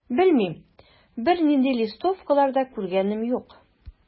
Белмим, бернинди листовкалар да күргәнем юк.